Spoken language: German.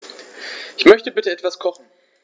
Ich möchte bitte etwas kochen.